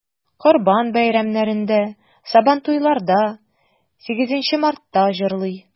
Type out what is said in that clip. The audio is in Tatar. Корбан бәйрәмнәрендә, Сабантуйларда, 8 Мартта җырлый.